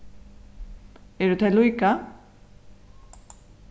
eru tey líka